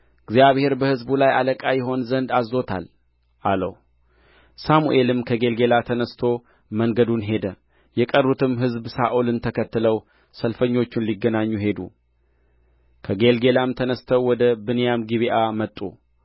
እግዚአብሔር በሕዝቡ ላይ አለቃ ይሆን ዘንድ አዝዞታል አለው ሳሙኤልም ከጌልገላ ተነሥቶ መንገዱን ሄደ የቀሩትም ሕዝብ ሳኦልን ተከተለው ሰልፈኞቹን ሊገናኙ ሄዱ ከጌልገላም ተነሥተው ወደ ብንያም ጊብዓ መጡ